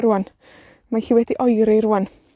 rŵan. Mae hi wedi oeri rŵan.